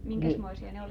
minkäsmoisia ne oli